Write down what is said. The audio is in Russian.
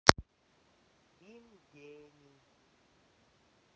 фильм гений